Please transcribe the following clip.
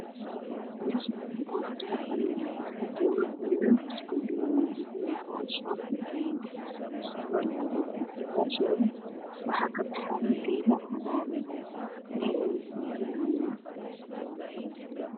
Meeshaani waa barxad banaan waxaa jooga wiilal school dhiganaayo waxay wataan shaati jaale ah surwaal cadays gadaashooda waxaa ka baxaayo geedo cagaar meel ayey fiirinayaan